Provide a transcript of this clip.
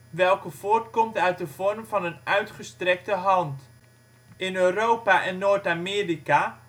welke voortkomt uit de vorm van een uitgestrekte hand. In Europa en Noord-Amerika